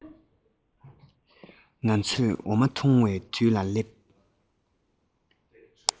ང ཚོས འོ མ འཐུང བའི དུས ལ སླེབས